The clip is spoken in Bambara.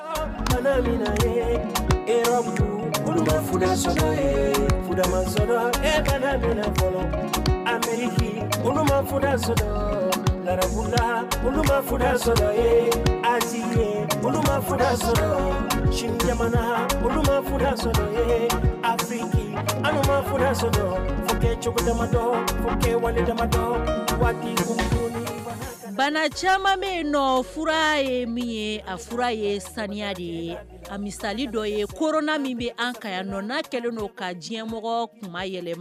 Lala af kɛ cogo dama kɛ wali damadɔ waati ma bana caman min fura ye min ye a fura ye saniya de ye a misali dɔ ye kona min bɛ an ka nɔ kɛleno ka diɲɛmɔgɔ yɛlɛma